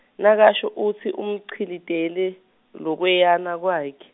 Nakasho utsi, umchilitele, lokweyana kwakhe.